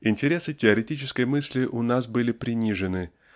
Интересы теоретической мысли у нас были принижены